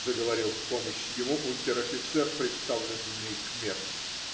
- заговорил в помощь ему унтер-офицер, приставленный к мере.